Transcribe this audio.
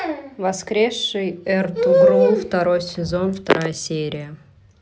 воскресший эртугрул второй сезон вторая серия